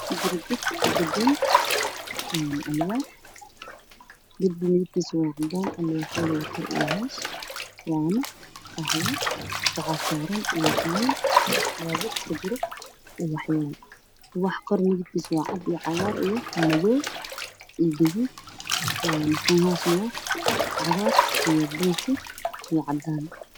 Waa darbi kudhagan alwaax. Darbiga waa cadaan alwaaxa kor iyo hoos waana qaxwi. Waxaa saaran dhagaxmin doobo kujiro iyo ubaxyo midabkiisu waa cadaan, cagaar, madow iyo gaduud. Kan hoosana waa cagaar iyo bingi iyo cadaan.